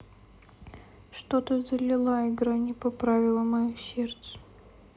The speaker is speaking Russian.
что что залила игра не поправила мое сердце